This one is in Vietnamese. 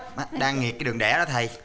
đang nghiệt cái đường đẻ đó thầy